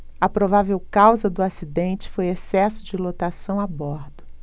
a provável causa do acidente foi excesso de lotação a bordo